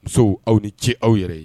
Musow aw ni ce aw yɛrɛ ye